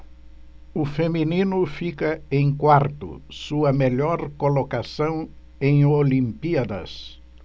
o feminino fica em quarto sua melhor colocação em olimpíadas